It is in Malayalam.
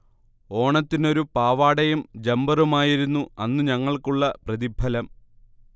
ഓണത്തിനൊരു പാവാടയും ജംബറുമായിരുന്നു അന്നു ഞങ്ങൾക്കുള്ള പ്രതിഫലം